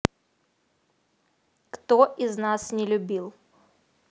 кто из нас не любил